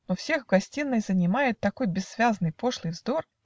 Но всех в гостиной занимает Такой бессвязный, пошлый вздор